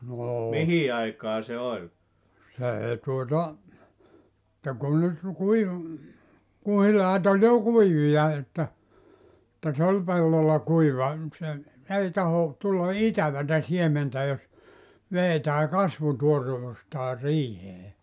no se tuota että kun nyt -- kuhilaat oli jo kuivia että että se oli pellolla kuiva niin se ei tahdo tulla itävää siementä jos vedetään kasvutuoreuttaan riiheen